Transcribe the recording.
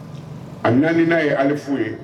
A 4 nan ye alifu ye